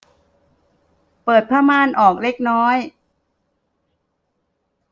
เปิดผ้าม่านออกเล็กน้อย